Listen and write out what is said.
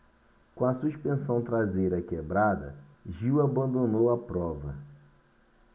com a suspensão traseira quebrada gil abandonou a prova